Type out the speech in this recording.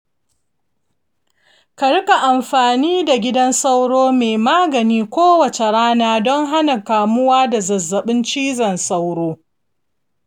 ka rika amfani da gidan sauro mai magani kowace rana don hana kamuwa da zazzabin cizon sauro.